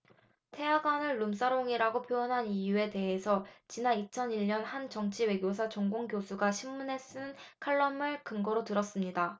태화관을 룸살롱이라고 표현한 이유에 대해선 지난 이천 일 년 한 정치외교사 전공 교수가 신문에 쓴 칼럼을 근거로 들었습니다